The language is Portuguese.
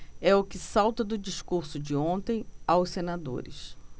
é o que salta do discurso de ontem aos senadores